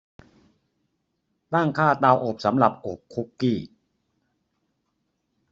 ตั้งค่าเตาอบสำหรับอบคุกกี้